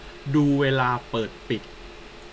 ดูเวลาเปิดปิด